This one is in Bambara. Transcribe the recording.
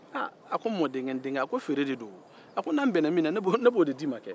aaa a ko n mɔdenkɛ n denkɛ a ko feere de do a ko n'an bɛnna min na ne b'o de d'i man kɛ